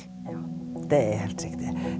ja det er helt riktig.